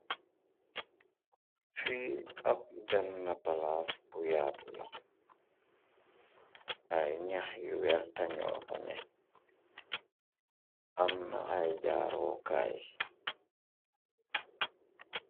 Fi ab benna palaas bu yaatu la ay ñax yu wertañoo fane amna ay jaawookaay